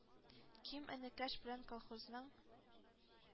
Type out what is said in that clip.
Ким энекәш белән колхозның